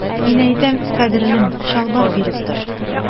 Мин әйтәм, кадерлем, чалбар биреп тор.